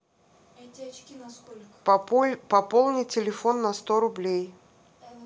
пополни телефон на сто рублей